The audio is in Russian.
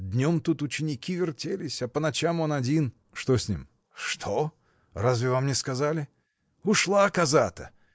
Днем тут ученики вертелись, а по ночам он один. — Что с ним? — Что: разве вам не сказали? Ушла коза-то!